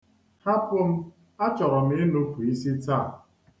Hapụ m, achọrọ m inupu isi taa.